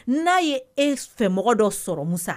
N'a ye e fɛmɔgɔ dɔ sɔrɔ Musa